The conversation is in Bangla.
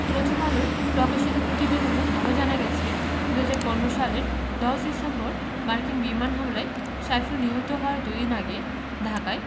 প্রথম আলোয় প্রকাশিত প্রতিবেদনে আরও জানা গেছে ২০১৫ সালের ১০ ডিসেম্বর মার্কিন বিমান হামলায় সাইফুল নিহত হওয়ার দুদিন আগে ঢাকায়